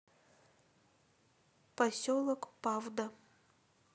поселок павда